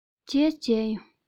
རྗེས སུ མཇལ ཡོང